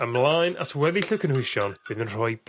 ymlaen at weddill y cynhwysion bydd yn rhoi